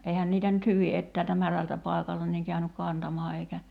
eihän niitä nyt hyvin etäältä märältä paikalta niin käynyt kantamaan eikä